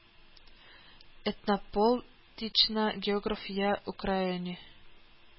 Этнопол тична географ я украөни